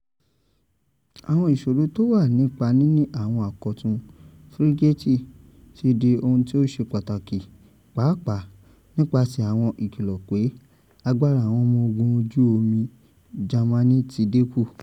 Àwọn ìṣòro tó wà nípa níní àwọn àkọ̀tun fírígèètì ti di ohun tí ó ṣè pàtàkì pàápàá nípaṣẹ̀ àwọn ìkìlọ̀ pé àgbára àwọn ọmọ ogún ojú omi Jámánì tí dín kù.